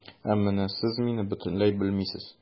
Ә менә сез мине бөтенләй белмисез.